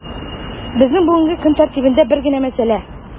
Безнең бүгенге көн тәртибендә бер генә мәсьәлә: